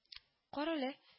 Карале